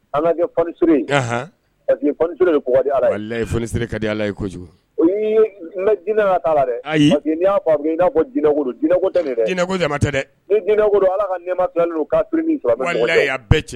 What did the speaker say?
An ka kɛ fonisire ye. Ahan. Parce que fonisire de ko ka di ala ye. Walayi fonisire ko ka di ala ye kojugu! O yii ye; n bɛ diinɛ la t'a la dɛ! Ayi. parce que n'i y'a fɔ a bɛ kɛ i n'a fɔ ko diinɛ ko don. Diinɛ ko dama tɛ dɛ! Ni diinɛ ko don ala ka nɛɛma tilalen don kafiri ni silamɛ ni ɲɔgɔn cɛ o. Walayi a bɛɛ